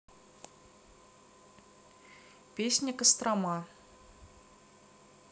песня кострома